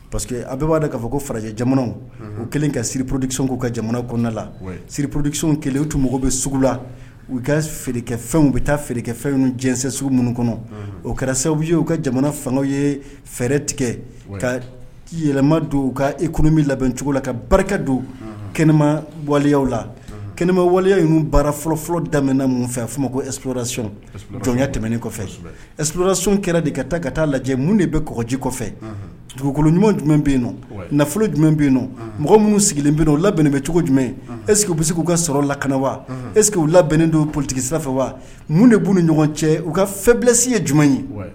Parce que a b'a'a fɔ fara jamanaw u kɛlen ka siriorourdikisɔn' u jamana gda la siri porourdikikisɛw kelen u tun mɔgɔw bɛ sugu la u ka feerekefɛnw bɛ taa feerekefɛn jɛsɛnsiw minnu kɔnɔ o kɛra sababu ye u ka jamana fanga ye fɛɛrɛ tigɛ ka yɛlɛma don u ka e kun bɛ labɛncogo la ka barika don kɛnɛmawaya la kɛnɛma waleya ninnu baara fɔlɔfɔlɔ daminɛɛna min fɛ f'o ma ko esurrray jɔnya tɛmɛnen kɔfɛ e surlac kɛra de ka taa ka taa lajɛ minnu de bɛ kɔɔgɔji kɔfɛ dugukolo ɲuman jumɛn bɛ yenn nafolo jumɛn bɛ yen nɔ mɔgɔ minnu sigilen bɛ o u labɛn bɛnnen bɛ cogo jumɛn e bɛ k'u ka sɔrɔ lakana wa eseke u labɛnnen don politigisira fɛ wa minnu de b'u ni ɲɔgɔn cɛ u ka fɛnlɛsi ye jumɛn ye